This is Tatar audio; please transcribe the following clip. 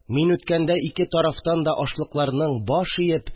Мин үткәндә ике тарафтан да ашлыкларның, баш иеп